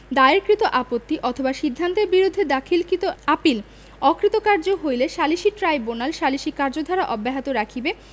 দায়েরকৃত আপত্তি অথবা সিদ্ধান্তের বিরুদ্ধে দাখিলকৃত আপীল অকৃতভার্য হইলে সালিসী ট্রাইব্যুনাল সালিসী কার্যধারা অব্যাহত রাখিবে